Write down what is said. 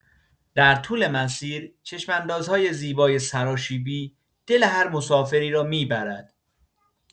در طول مسیر، چشم‌اندازهای زیبای سراشیبی دل هر مسافری را می‌برد.